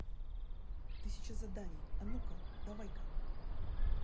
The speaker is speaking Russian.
тысяча заданий а ну ка давай ка